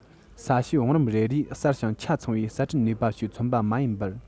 ས གཤིས བང རིམ རེ རེས གསར ཞིང ཆ ཚང བའི གསར སྐྲུན ནུས པ ཞིག མཚོན པ མ ཡིན པར